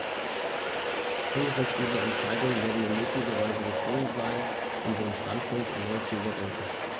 Angesichts dieser Entscheidung werden wir möglicherweise gezwungen sein, unseren Standpunkt erneut zu überdenken.